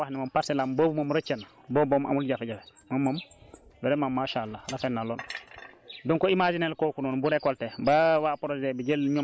dèjà melokaan bi nu mu mel moom moom mun naa wax ni moom parcelle am boobu moom rëcc na boobu moom amul jafe-jafe moom moom vraiment macha allah rafet na lool